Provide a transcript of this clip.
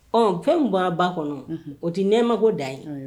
Ɔ fɛn bɔra ba kɔnɔ o tɛ nɛ mago da ye